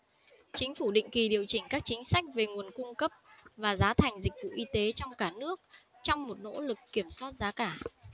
chính phủ định kỳ điều chỉnh các chính sách về nguồn cung cấp và giá thành dịch vụ y tế trong cả nước trong một nỗ lực kiểm soát giá cả